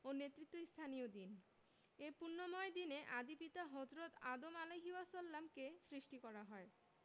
ও নেতৃত্বস্থানীয় দিন এ পুণ্যময় দিনে আদি পিতা হজরত আদম আ কে সৃষ্টি করা হয়